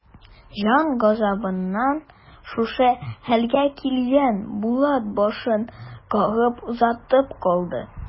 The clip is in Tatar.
Җан газабыннан шушы хәлгә килгән Булат башын кагып озатып калды.